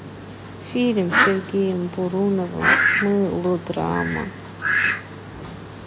фильм с сергеем буруновым мылодрама